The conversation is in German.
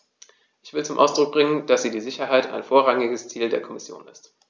Ich will zum Ausdruck bringen, dass die Sicherheit ein vorrangiges Ziel der Kommission ist.